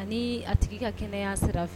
Ani a tigi ka kɛnɛya' sira fɛ